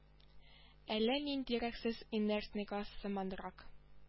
Әллә ниндирәк сез инертный газ сыманрак